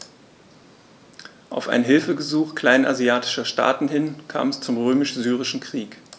Auf ein Hilfegesuch kleinasiatischer Staaten hin kam es zum Römisch-Syrischen Krieg.